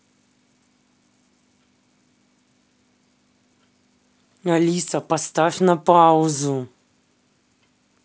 алиса поставь на паузу